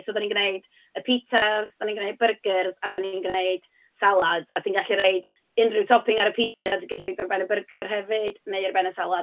So dan ni'n gwneud y pitsas, dan ni'n gwneud byrgyrs, a dan ni'n gwneud salads, a ti'n gallu roid unryw topping ar y pitsa, ti'n gallu roi o ar ben y byrger hefyd neu ar ben y salad.